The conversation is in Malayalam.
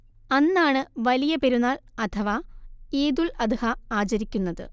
അന്നാണ് വലിയ പെരുന്നാൾ അഥവാ ഈദുൽ അദ്ഹ ആചരിയ്ക്കുന്നത്